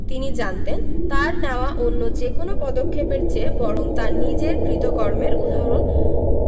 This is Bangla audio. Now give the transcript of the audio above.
তিনি জানতেন তাঁর নেওয়া অন্য যেকোনো পদক্ষেপের চেয়ে বরং তাঁর নিজের কৃতকর্মের উদাহরণ